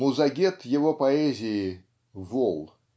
Музагет его поэзии -- вол